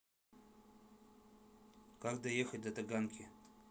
как доехать до таганки